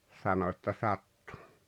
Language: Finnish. sanoi että sattui